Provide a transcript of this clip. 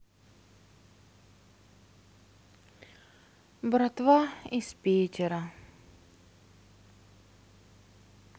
братва из питера